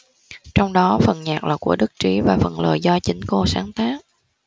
trong đó phần nhạc là của đức trí và phần lời do chính cô sáng tác